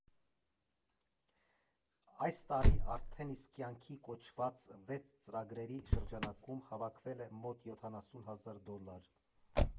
Այս տարի արդեն իսկ կյանքի կոչված վեց ծրագրերի շրջանակում հավաքվել է մոտ յոթանասուն հազար դոլար։